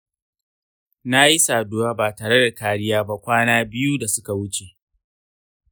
na yi saduwa ba tare da kariya ba kwana biyu da suka wuce.